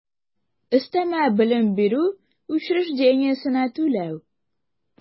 Өстәмә белем бирү учреждениесенә түләү